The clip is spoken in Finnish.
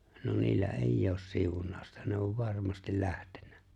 no niillä ei ole siunausta ne on varmasti lähtenyt